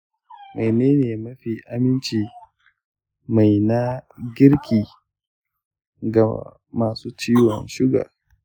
wanne ne mafi amincin mai na girki ga masu ciwon siga?